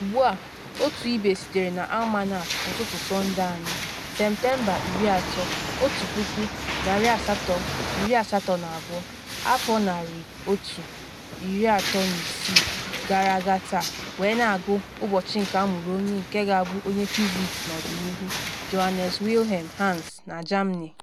N’Ugbu a otu ibe sitere na Almanak “Ụtụtụ Sọnde” anyị: Septemba 30, 1882, afọ136 gara aga taa, wee Na-agụ ... ụbọchị nke amụrụ onye nke ga-abụ onye fiziks n’ọdịnihu Johannes Wilhem “Hans” na Germany.